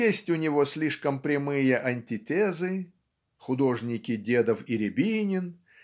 Есть у него слишком прямые антитезы (художники Дедов и Рябинин